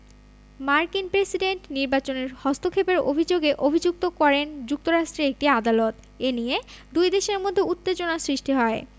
মার্কিন প্রেসিডেন্ট নির্বাচনে হস্তক্ষেপের অভিযোগে অভিযুক্ত করেন যুক্তরাষ্ট্রের একটি আদালত এ নিয়ে দুই দেশের মধ্যে উত্তেজনা সৃষ্টি হয়